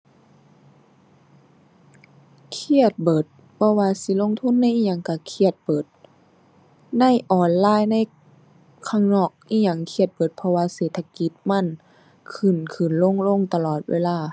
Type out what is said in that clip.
เครียดเบิด บ่ว่าสิลงทุนในอิหยังก็เครียดเบิด ในออนไลน์ใน ข้างนอกอิหยัง เครียดเบิด เพราะว่าเศรษฐกิจมันขึ้นขึ้นลงลงตลอดเวลา